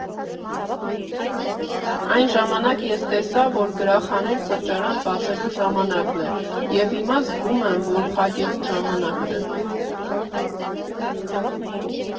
Այն ժամանակ ես տեսա, որ գրախանութ֊սրճարան բացելու ժամանակն է և հիմա զգում եմ, որ փակելու ժամանակն է։